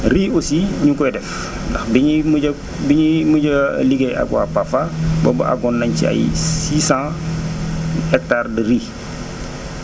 riz aussi ñu ngi koy def ndax bi ñuy mujj a bi ñuy mujj a liggéey ak waa Pafa boobu àggoon nañ ci ay 600 hectares de riz